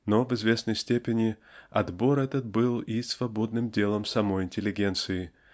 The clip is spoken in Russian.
но в известной степени отбор этот был и свободным делом самой интеллигенции